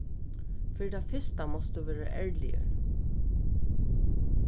fyri tað fyrsta mást tú vera ærligur